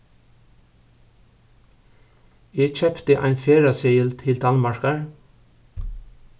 eg keypti ein ferðaseðil til danmarkar